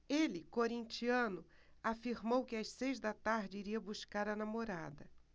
ele corintiano afirmou que às seis da tarde iria buscar a namorada